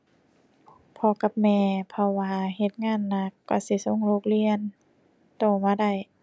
พ่อกับแม่ เพราะว่าเฮ็ดงานหนักกว่าสิส่งลูกเรียน โตมาได้